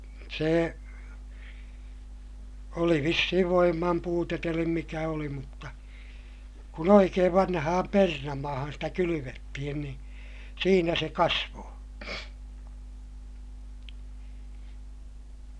se oli vissiin voiman puutetta eli mikä oli mutta kun oikein vanhaan perunamaahan sitä kylvettiin niin siinä se kasvoi